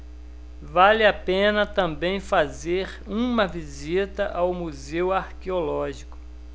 vale a pena também fazer uma visita ao museu arqueológico